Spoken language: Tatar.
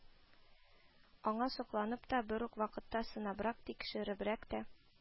Аңа сокланып та, бер үк вакытта сынабрак-тикшеребрәк тә